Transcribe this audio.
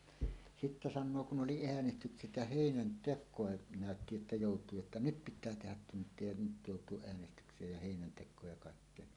sitten sanoo kun oli äänestykset ja heinäntekoa näytti että joutuu jotta nyt pitää tehdä tunteja ja nyt joutuu äänestykseen ja heinäntekoon ja kaikkeen